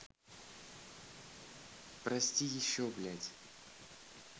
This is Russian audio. прости еще блядь